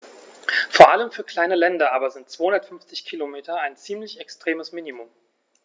Vor allem für kleine Länder aber sind 250 Kilometer ein ziemlich extremes Minimum.